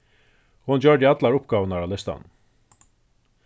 hon gjørdi allar uppgávurnar á listanum